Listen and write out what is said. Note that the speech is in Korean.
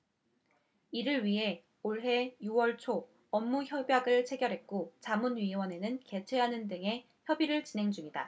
이를 위해 올해 유 월 초 업무협약을 체결했고 자문위원회를 개최하는 등 협의를 진행 중이다